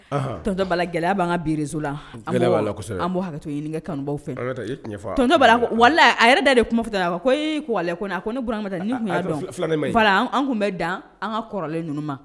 Tɔ bala gɛlɛya b'an ka biirizla an b'o i kanubaw fɛ a yɛrɛ da de kumafɛ ne tun an tun bɛ dan an ka kɔrɔlen ninnu